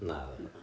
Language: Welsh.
naddo naddo